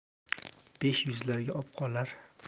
besh yuzlarga obqolar